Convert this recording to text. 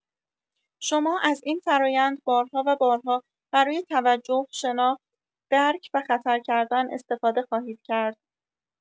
شما از این فرایند بارها و بارها برای توجه، شناخت، درک و خطرکردن استفاده خواهید کرد.